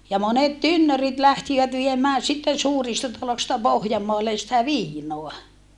ja monet tynnyrit lähtivät viemään sitten suurista taloista Pohjanmaalle sitä viinaa